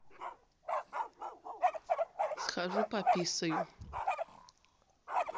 схожу пописаю